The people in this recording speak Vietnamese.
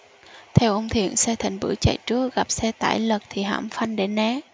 theo ông thiện xe thành bưởi chạy trước gặp xe tải lật thì hãm phanh để né